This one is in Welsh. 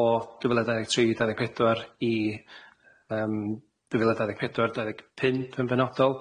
o dwy fil a dau ddeg tri dau ddeg pedwar i yym dwy fil a dau ddeg pedwar dau ddeg pump yn benodol